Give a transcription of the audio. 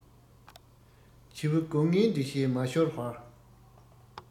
བྱིའུ སྒོ ངའི འདུ ཤེས མ ཤོར བར